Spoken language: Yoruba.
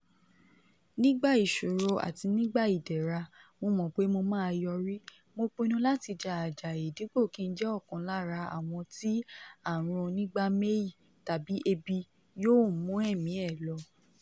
Nígbà ìṣòro àti nígbà ìdẹ̀ra, mo mọ̀ pé mo máà yọrí, mo pinnu láti ja àjàyè dípò kí n jẹ́ ọ̀kan lára àwọn tí àrun onígbá-méì tàbí ebi yóò mú ẹ̀mí ẹ̀ lọ.